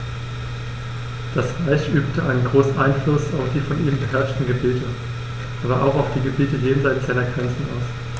Das Reich übte einen großen Einfluss auf die von ihm beherrschten Gebiete, aber auch auf die Gebiete jenseits seiner Grenzen aus.